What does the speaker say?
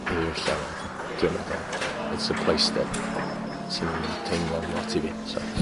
i'r lle dwi'n meddwl it's a place that sy'n teimlo'n lot i fi so...